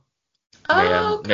Oh ok.